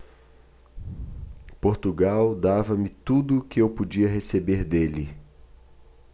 portugal dava-me tudo o que eu podia receber dele